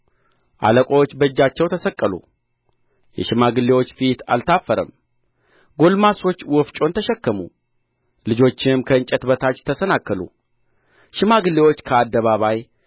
አለቆች በእጃቸው ተሰቀሉ የሽማግሌዎች ፊት አልታፈረም ጕልማሶች ወፍጮን ተሸከሙ ልጆችም ከእንጨት በታች ተሰናከሉ ሽማግሌዎች ከአደባባይ